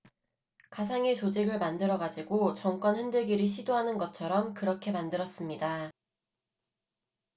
가상의 조직을 만들어 가지고 정권 흔들기를 시도하는 것처럼 그렇게 만들었습니다